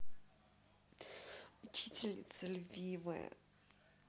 учительная любимая